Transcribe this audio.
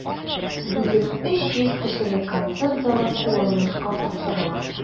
Бүген 300 кешелек концерт залы кулланылышка тапшырыла.